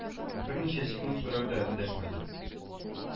Берничә секунд берәү дә дәшмәде